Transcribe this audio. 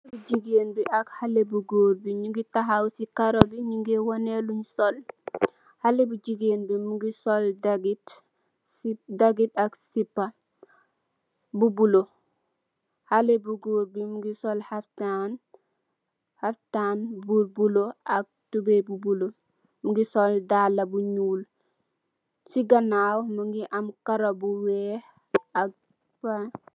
Jigain bi, ak halleh bu goor bi nyungi tahaw si karo bi, nyungee waneh lunye sol, halle bu jigain bi mungi sol dagit ak sipa bu buleuh, halle bu goor bi mungi sol haftaan bu buleuh, ak tubeuy bu buleuh, mungi sol daala bu nyuul, si ganaaw mungi am karo bu weeh ak.